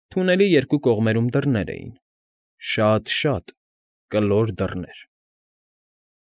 Թունելի երկու կողմերում դռներ էին, շա՜տ֊շա՜տ, կլոր դռներ։